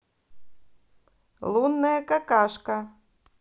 лунная какашка